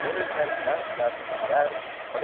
poezdlar saf saf turishar